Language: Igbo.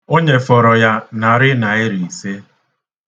O nyefọrọ ya narị naira ise.